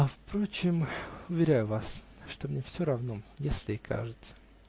А впрочем, уверяю вас, что мне все равно, если и кажется.